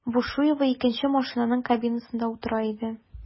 Бушуева икенче машинаның кабинасында утыра иде.